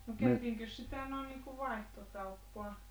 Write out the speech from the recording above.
no käytiinkös sitä noin niin kuin vaihtokauppaa